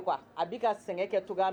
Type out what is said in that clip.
Sɛgɛn kɛ